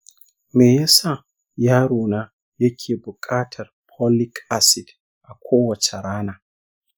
me yasa yaro na yake buƙatar folic acid a kowace rana?